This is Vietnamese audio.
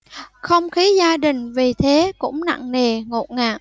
không khí gia đình vì thế cũng nặng nề ngột ngạt